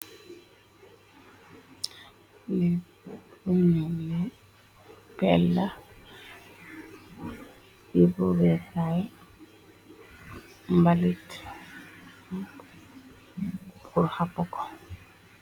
Li lu nyul li pel la, li bubé kay mbalit purr hapu ko.